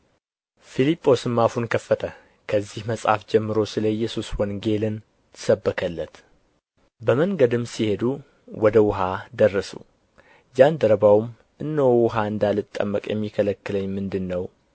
ፊልጶስም አፉን ከፈተ ከዚህም መጽሐፍ ጀምሮ ስለ ኢየሱስ ወንጌልን ሰበከለት በመንገድም ሲሄዱ ወደ ውኃ ደረሱ ጃንደረባውም እነሆ ውኃ እንዳልጠመቅ የሚከለክለኝ ምንድር ነው